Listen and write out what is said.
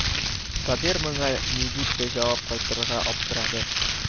Сабир моңа ни дип тә җавап кайтарырга аптырады